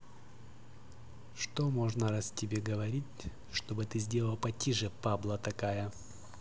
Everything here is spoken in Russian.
что можно раз тебе говорить чтобы ты сделала потише пабло такая